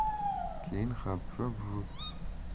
keyin habiba buvi